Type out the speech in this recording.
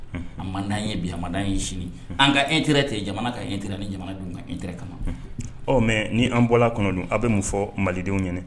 An maan ye bi haan in sini an ka e teri tɛ jamana kan e ni kan ka mɛ ni an bɔra kɔnɔ don aw bɛ mun fɔ malidenw ɲini